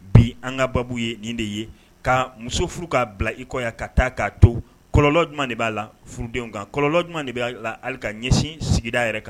Bi an ka babu ye nin de ye ka muso furu k'a bila i kɔ yan ka taa k'a to kɔlɔlɔ jumɛn de b'a la furudenw kan kɔlɔlɔ jumɛn de b'a la hali ka ɲɛsin sigida yɛrɛ kan